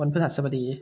วันพฤหัสบดี